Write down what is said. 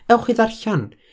Ewch i ddarllen.